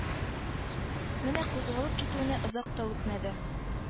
Менә кузгалып китүенә озак та үтмәде